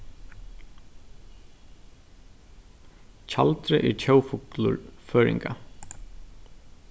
tjaldrið er tjóðfuglur føroyinga